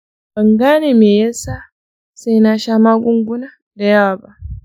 ban gane mene yasa sai na sha magunguna dayawa ba.